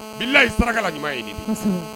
N'layi saraka ɲuman ye